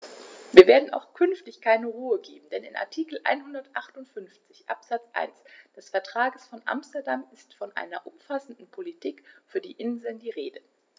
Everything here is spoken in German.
Wir werden auch künftig keine Ruhe geben, denn in Artikel 158 Absatz 1 des Vertrages von Amsterdam ist von einer umfassenden Politik für die Inseln die Rede.